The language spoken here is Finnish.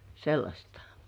sellaista